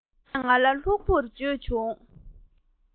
ཡོད ཚད ང ལ ལྷུག པོར བརྗོད བྱུང